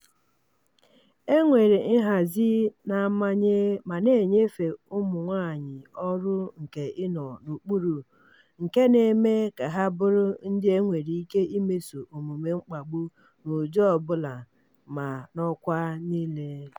E nwere nhazi na-amanye ma na-enyefe ụmụ nwaanyị ọrụ nke ịnọ n'okpuru nke na-eme ka ha bụrụ ndị e nwere ike imeso omume mkpagbu n'ụdị ọ bụla ma n'ọkwa niile.